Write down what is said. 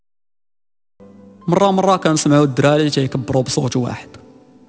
مرام راكان اسمع والدلائل شيء واحد